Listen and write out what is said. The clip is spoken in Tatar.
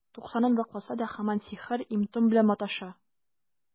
Туксанын вакласа да, һаман сихер, им-том белән маташа.